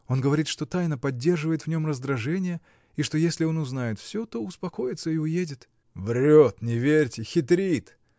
Он говорит, что тайна поддерживает в нем раздражение и что если он узнает всё, то успокоится и уедет. — Врет: не верьте, хитрит.